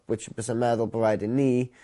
Which bysen meddwl bo' raid i ni